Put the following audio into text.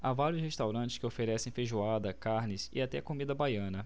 há vários restaurantes que oferecem feijoada carnes e até comida baiana